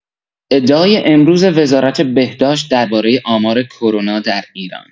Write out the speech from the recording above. ادعای امروز وزارت بهداشت درباره آمار کرونا در ایران